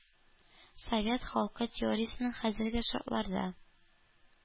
«совет халкы» теориясенең хәзерге шартларда